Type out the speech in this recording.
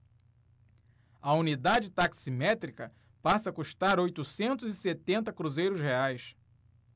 a unidade taximétrica passa a custar oitocentos e setenta cruzeiros reais